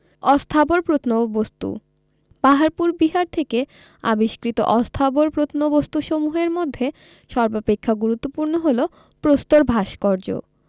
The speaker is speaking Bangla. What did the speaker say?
অস্থাবর প্রত্নবস্তু পাহাড়পুর বিহার থেকে আবিষ্কৃত অস্থাবর প্রত্নবস্তুসমূহের মধ্যে সর্বাপেক্ষা গুরত্বপূর্ণ হল প্রস্তর ভাস্কর্য